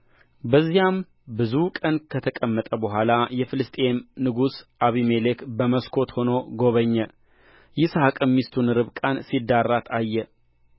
በዚያም ብዙ ቀን ከተቀመጠ በኋላ የፍልስጥኤም ንጉሥ አቢሜሌክ በመስኮት ሆኖ ጎበኘ ይስሐቅም ሚስቱን ርብቃን ሲዳራት አየ